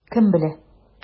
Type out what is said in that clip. Кем белә?